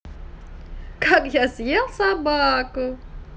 как я съел собаку